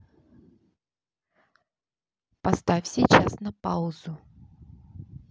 поставь сейчас на паузу